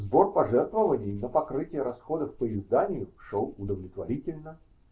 Сбор пожертвований на покрытие расходов по изданию шел удовлетворительно.